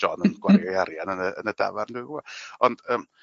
John yn gwario ei arian yn y yn y dafarn dw'm yn gwbo ond yym